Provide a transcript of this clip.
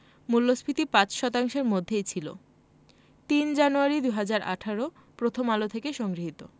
মূল্যস্ফীতি ৫ শতাংশের মধ্যেই ছিল ৩ জানুয়ারি ২০১৮ প্রথম আলো হতে সংগৃহীত